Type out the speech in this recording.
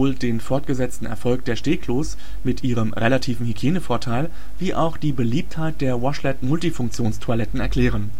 den fortgesetzten Erfolg der Stehklos mit ihrem relativen Hygienevorteil wie auch die Beliebtheit der Washlet-Multifunktionstoiletten erklären